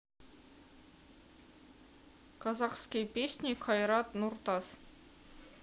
казахские песни кайрат нуртас